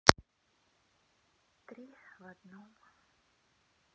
три в одном